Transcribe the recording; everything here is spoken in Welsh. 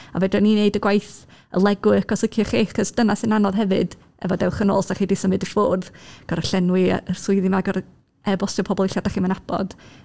A fedrwn ni wneud y gwaith, y legwork, os liciwch chi. Achos dyna sy'n anodd hefyd efo Dewch Yn Ôl, os dych chi 'di symud i ffwrdd gorfod llenwi'r yy y swyddi 'ma, gorfod e-bostio pobl ella dych chi ddim yn nabod.